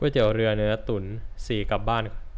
ก๋วยเตี๋ยวเรือเนื้อตุ๋นสี่กลับบ้าน